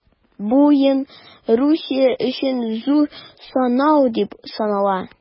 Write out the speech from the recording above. Бу уен Русия өчен зур сынау дип санала.